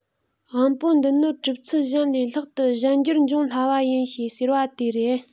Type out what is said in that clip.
དབང པོ འདི ནི གྲུབ ཚུལ གཞན ལས ལྷག ཏུ གཞན འགྱུར འབྱུང སླ བ ཡིན ཞེས ཟེར བ དེ རེད